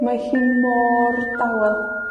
Mae hi mor dawel.